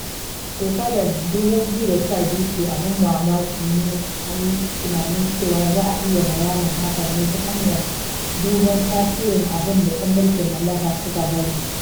Shekarar 2012 ce, abun mamaki ne a yi tunanin cewa za a iya bayanin hakan ne ta hanyar duban tasirin abin da 'yan mulkin mallaka suka bari.